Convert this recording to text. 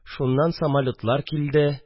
– шуннан самолетлар килде